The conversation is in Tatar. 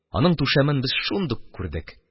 Аның түшәмен без шунда ук күрдек